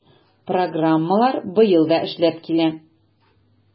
Программалар быел да эшләп килә.